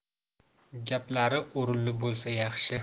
gaplari o'rinli bo'lsa yaxshi